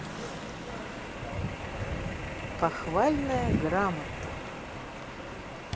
похвальная грамота